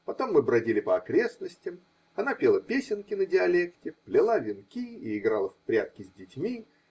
Потом мы бродили по окрестностям, она пела песенки на диалекте, плела венки и играла в прятки с детьми